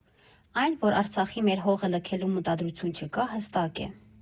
Այն, որ Արցախի մեր հողը լքելու մտադրություն չկա, հստակ է։